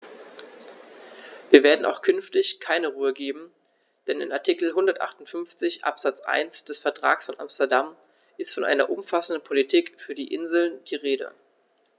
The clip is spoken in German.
Wir werden auch künftig keine Ruhe geben, denn in Artikel 158 Absatz 1 des Vertrages von Amsterdam ist von einer umfassenden Politik für die Inseln die Rede.